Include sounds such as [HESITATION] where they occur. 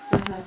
[NOISE] [HESITATION] [HESITATION]